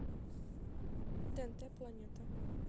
тнв планета